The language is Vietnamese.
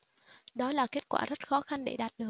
đó là kết quả rất khó khăn để đạt được